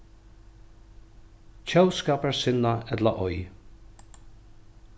tjóðskaparsinnað ella ei